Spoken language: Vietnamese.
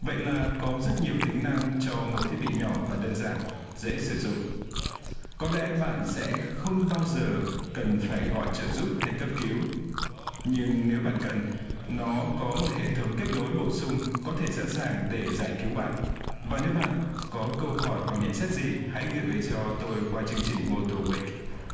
vậy là có rất nhiều tính năng cho một thiết bị nhỏ và đơn giản dễ sử dụng có lẽ bạn sẽ không bao giờ cần phải gọi trợ giúp hay cấp cứu nhưng nếu bạn cần nó có một hệ thống kết nối bổ sung có thể sẵn sàng để giải cứu bạn và nếu bạn có câu hỏi hoặc nhận xét gì hãy gửi về cho tôi qua chương trình mô tô uých